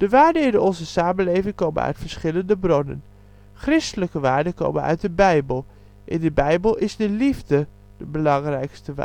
waarden in onze samenleving komen uit verschillende bronnen. Christelijke waarden komen uit de Bijbel. In de Bijbel is de liefde de belangrijkste waarde